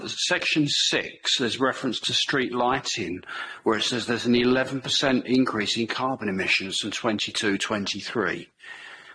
There's a section six, there's reference to street lighting where it says there's an eleven percent increase in carbon emissions from twenty two twenty three.